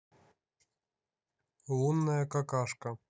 лунная какашка